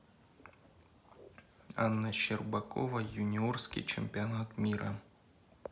анна щербакова юниорский чемпионат мира